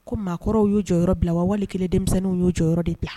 Ko maakɔrɔw y'o jɔyɔrɔ bila wawale kelen denmisɛnnin y'o jɔyɔrɔ de bila